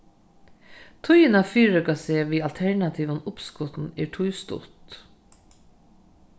tíðin at fyrireika seg við alternativum uppskotum er tí stutt